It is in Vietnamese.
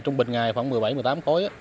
trung bình ngày khoảng mười bảy mười tám khối